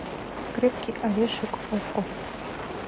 крепкий орешек окко